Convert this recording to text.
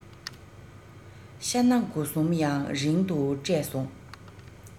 ཤྭ གནའ དགོ གསུམ ཡང རིང དུ བསྐྲད སོང